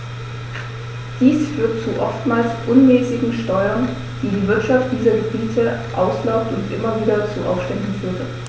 Dies führte zu oftmals unmäßigen Steuern, die die Wirtschaft dieser Gebiete auslaugte und immer wieder zu Aufständen führte.